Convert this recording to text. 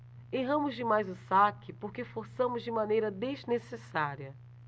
erramos demais o saque porque forçamos de maneira desnecessária